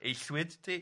Eillwyd ti?